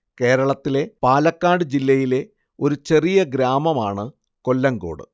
കേരളത്തിലെ പാലക്കാട് ജില്ലയിലെ ഒരു ചെറിയ ഗ്രാമമാണ് കൊല്ലങ്കോട്